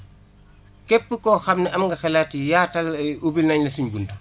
képp koo xam ne am nga xalaati yaatal ubbil nañ la suñ buntu